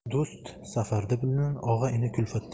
do'st safarda bilinar og'a ini kulfatda